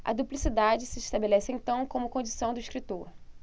a duplicidade se estabelece então como condição do escritor